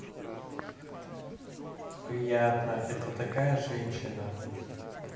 приятно это такая женщина